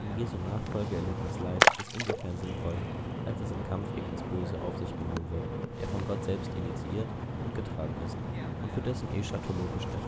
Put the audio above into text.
Jesu Nachfolge erlittenes Leid ist insofern sinnvoll, als es im Kampf gegen das Böse auf sich genommen wird, der von Gott selbst initiiert und getragen ist und für dessen eschatologischen